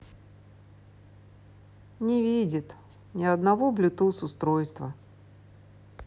не видит ни одного блютуз устройства